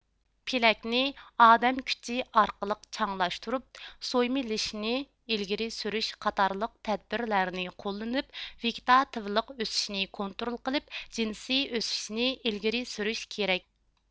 پېلەكنى ئادەم كۈچى ئارقىلىق چاڭلاشتۇرۇپ سويمىلىشىنى ئىلگىرى سۈرۈش قاتارلىق تەدبىرلەرنى قوللىنىپ ۋىگىتاتىۋلىق ئۆسۈشىنى كونترول قىلىپ جىنسىي ئۆسۈشنى ئىلگىرى سۈرۈش كېرەك